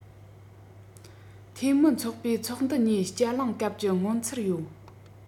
འཐུས མི ཚོགས པས ཚོགས འདུ གཉིས བསྐྱར གླེང སྐབས ཀྱི མངོན ཚུལ ཡོད